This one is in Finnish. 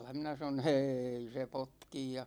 minä sanoin ei se potki ja